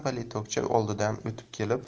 lampali tokcha oldidan o'tib kelib